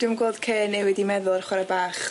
Dwi'm gweld Kay'n newid i meddwl ar chwarae bach.